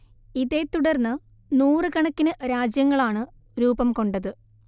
ഇതെത്തുടർന്ന് നൂറുകണക്കിന് രാജ്യങ്ങളാണ് രൂപം കൊണ്ടത്